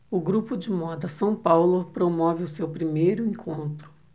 o grupo de moda são paulo promove o seu primeiro encontro